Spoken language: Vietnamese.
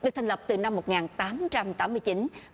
thành lập từ năm một ngàn tám trăm tám mươi chín